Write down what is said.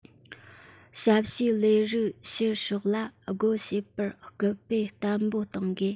ཞབས ཞུའི ལས རིགས ཕྱི ཕྱོགས ལ སྒོ འབྱེད པར སྐུལ སྤེལ བརྟན པོ གཏོང དགོས